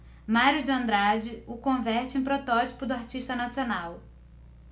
mário de andrade o converte em protótipo do artista nacional